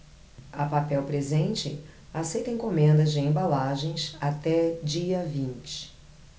a papel presente aceita encomendas de embalagens até dia vinte